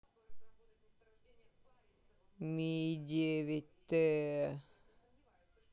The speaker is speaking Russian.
ми девять т